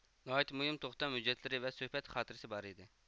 ناھايتى مۇھىم توختام ھۈججەتلىرى ۋە سۆھبەت خاتىرىسى بار ئىدى